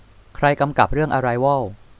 ใครกำกับเรื่องอะไรวอล